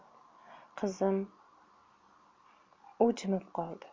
qizim u jimib qoldi